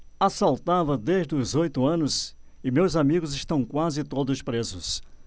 assaltava desde os oito anos e meus amigos estão quase todos presos